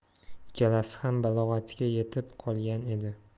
ikkalasi ham balog'atga yetib qolgan edi